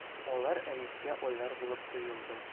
Алар Әнискә айлар булып тоелды.